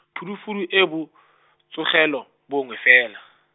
phudufudu e e botsogelo, bongwe fela.